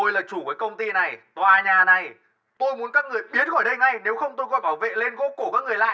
tôi là chủ của công ty này tòa nhà nay tôi muốn các người biến khỏi đây ngay nếu không tôi gọi bảo vệ lên gô cổ các người lại